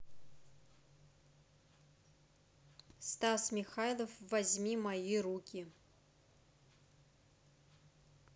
стас михайлов возьми мои руки